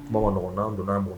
Kumaɔgɔnan donna bɔ